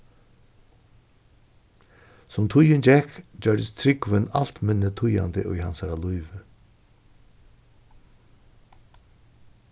sum tíðin gekk gjørdist trúgvin alt minni týðandi í hansara lívi